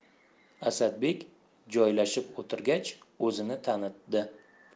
asadbek joylashib o'tirgach o'zini tanitdi